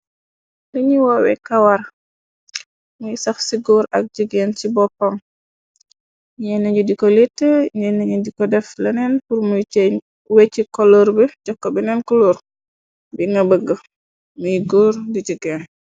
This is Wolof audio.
Lañu woowe kawar muy sax ci góor ak jëgéen ci boppam ñennaju di ko liit ñennanu diko def laneen purmuy c wecc koloor bi jokko beneen coloor bi nga bëgg muy góor di jëgeen.